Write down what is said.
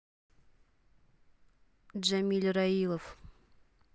джамиль раилов